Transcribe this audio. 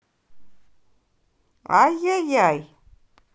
ай яй яй